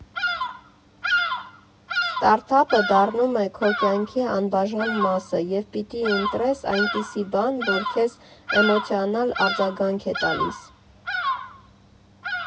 Ստարտափը դառնում է քո կյանքի անբաժան մասը, և պիտի ընտրես այնպիսի բան, որը քեզ էմոցիոնալ արձագանք է տալիս։